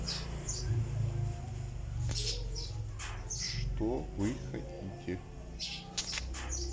что вы хотите